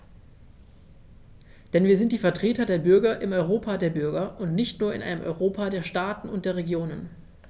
Denn wir sind die Vertreter der Bürger im Europa der Bürger und nicht nur in einem Europa der Staaten und der Regionen.